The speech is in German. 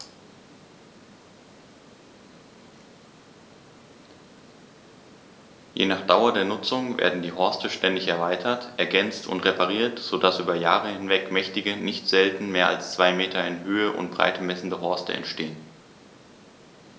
Je nach Dauer der Nutzung werden die Horste ständig erweitert, ergänzt und repariert, so dass über Jahre hinweg mächtige, nicht selten mehr als zwei Meter in Höhe und Breite messende Horste entstehen.